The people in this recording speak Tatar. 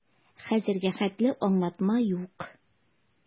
Хәзергә хәтле аңлатма юк.